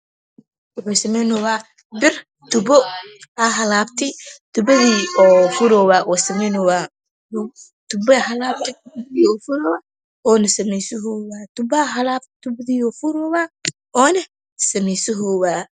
Wuxuu samaynayaa tubo bir ayaa halawdey tuubadii ayuu furayaa wuu samaynayaa tubaa halawdey wu furayaa wuuna samaysanayaa tubaa halawdey tuubadiyuu furoyaa woona samaysanayaa